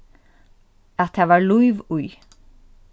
at tað var lív í